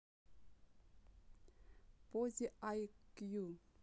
поззи ай q